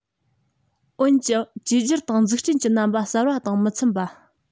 འོན ཀྱང བསྒྱུར བཅོས དང འཛུགས སྐྲུན གྱི རྣམ པ གསར པ དང མི འཚམ པ